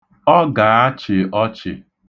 Ọ ga-achị ochị.